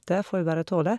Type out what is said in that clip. Det får vi bare tåle.